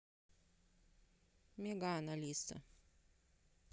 meghan алиса